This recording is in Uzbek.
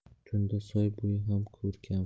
tunda soy boyi ham ko'rkam